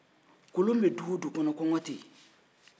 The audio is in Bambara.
kolon bɛ du o du kɔnɔ kɔngɔ tɛ yen